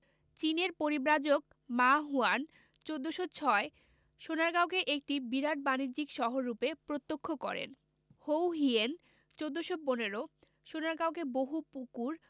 চীনের পরিব্রাজক Ma Huan ১৪০৬ সোনারগাঁওকে একটি বিরাট বাণিজ্যিক শহররূপে প্রত্যক্ষ করেন হৌ হিয়েন ১৪১৫ সোনারগাঁওকে বহু পুকুর